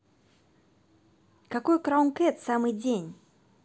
какой краун кэт в самый день